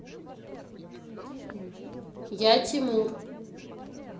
я тимур